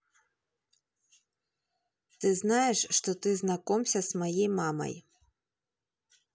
ты знаешь что ты знакомься с моей мамой